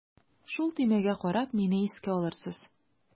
Шул төймәгә карап мине искә алырсыз.